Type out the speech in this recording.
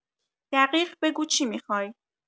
دقیق بگو چی میخوای؟